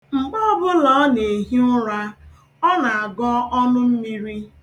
Mgbe ọbụla ọ na-ehi ụra, ọ na-agọ ọnụmmiri.